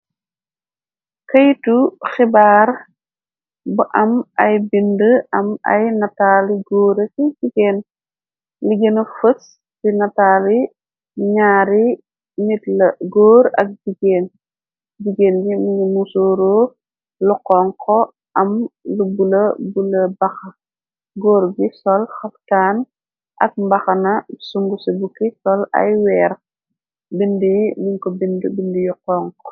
Keytu xibaar bu am ay bind am ay nataali góore ci jigeen liggéena fëts di nataali ñaar nit la gór ak jigéen yi mingi musooroo lu konko am lu bula bula baxa góor bi sol xaftaan ak mbaxana sungu ci buki sol ay weer bind yi liñko bind bind yu xonk.